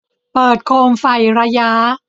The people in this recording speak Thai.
เปิดโคมไฟระย้า